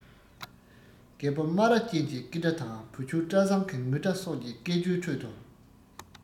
རྒད པོ རྨ ར ཅན གྱི ཀི སྒྲ དང བུ ཆུང བཀྲ བཟང གི ངུ སྒྲ སོགས ཀྱི སྐད ཅོའི ཁྲོད དུ